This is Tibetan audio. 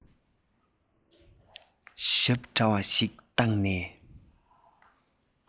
ཞབས འདྲ བ ཞིག བཏགས ནས